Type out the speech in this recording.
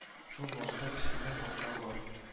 Шул башта кечкенә капка бар